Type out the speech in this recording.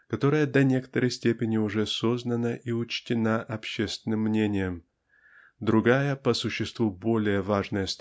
которая до некоторой степени уже сознана и учтена общественным мнением. Другая по существу более важная